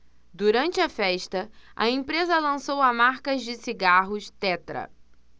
durante a festa a empresa lançou a marca de cigarros tetra